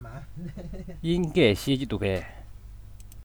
དབྱིན སྐད ཤེས ཀྱི འདུག གས